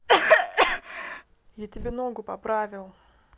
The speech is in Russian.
я тебе ногу поправил